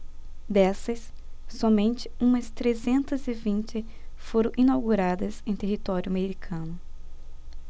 dessas somente umas trezentas e vinte foram inauguradas em território americano